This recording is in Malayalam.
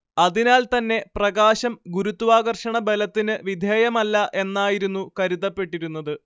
അതിനാൽത്തന്നെ പ്രകാശം ഗുരുത്വാകർഷണബലത്തിന് വിധേയമല്ല എന്നായിരുന്നു കരുതപ്പെട്ടിരുന്നത്